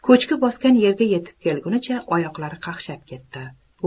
ko'chki bosgan yerga yetib kelgunicha oyoqlari qaqshab ketdi